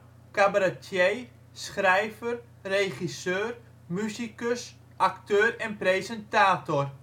cabaretier, schrijver, regisseur, musicus, acteur en presentator